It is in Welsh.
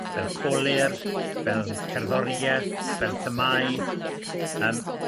fel colur fel cerddorieth fel themâu yym